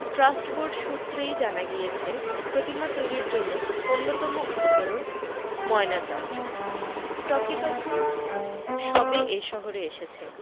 trust board সূত্রেই জানা গিয়েছে প্রতিমা তৈরীর জন্য অন্যতম উপকরণ ময়না কাঠ টকি তখন সবে এ শহরে এসেছে